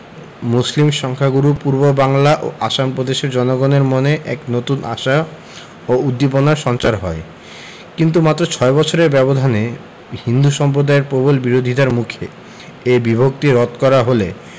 মুসলিম সংখ্যাগুরু পূর্ববাংলা ও আসাম প্রদেশের জনগণের মনে এক নতুন আশা ও উদ্দীপনার সঞ্চার হয় কিন্তু মাত্র ছয় বছরের ব্যবধানে হিন্দু সম্প্রদায়ের প্রবল বিরোধিতার মুখে এ বিভক্তি রদ করা হলে